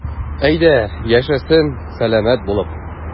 Әйдә, яшәсен сәламәт булып.